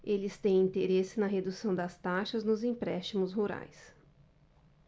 eles têm interesse na redução das taxas nos empréstimos rurais